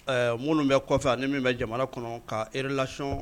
Ɛɛ minnu bɛ kɔfɛ ani min bɛ jamana kɔnɔ k'a relation